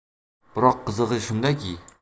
biroq qizig'i shundaki